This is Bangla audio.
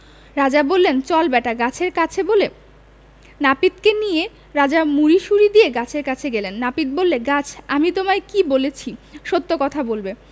রাজা বললেনচল ব্যাটা গাছের কাছে বলে নাপিতকে নিয়ে রাজা মুড়িসুড়ি দিয়ে গাছের কাছে গেলেন নাপিত বললে গাছ আমি তোমায় কী বলেছি সত্য কথা বলবে